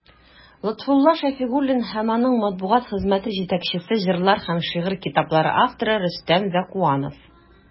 Лотфулла Шәфигуллин һәм аның матбугат хезмәте җитәкчесе, җырлар һәм шигырь китаплары авторы Рөстәм Зәкуанов.